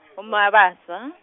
uMabasa.